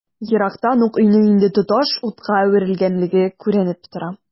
Ерактан ук өйнең инде тоташ утка әверелгәнлеге күренеп тора.